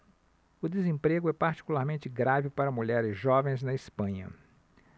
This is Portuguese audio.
o desemprego é particularmente grave para mulheres jovens na espanha